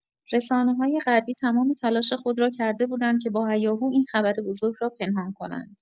رسانه‌های غربی تمام تلاش خود را کرده بودند که با هیاهو این خبر بزرگ را پنهان کنند.